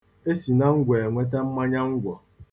E si na ngwọ enweta mmanyangwọ.